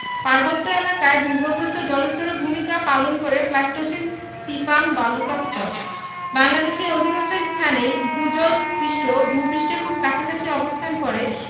পার্বত্য এলাকায় ভূগর্ভস্থ জলস্তরের ভূমিকা পালন করে প্লাইসটোসিন টিপাম বালুকাস্তর বাংলাদেশের অধিকাংশ স্থানেই ভূ জল পৃষ্ঠ ভূ পৃষ্ঠের খুব কাছাকাছি অবস্থান করে